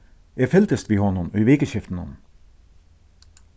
eg fylgdist við honum í vikuskiftinum